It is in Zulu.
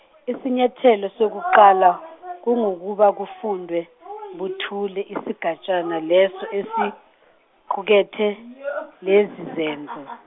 isinyathelo sokuqala, ngukuba kufundwe, buthule isigatshana leso esiqukethe, lezi zenzo.